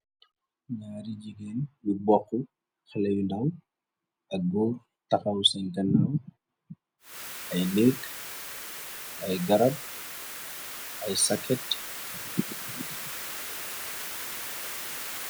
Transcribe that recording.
Nyari jigéen yur boxcu xele yu ndaw ak góor taxaw sen kanaaw ay lékk ay garab ay saket.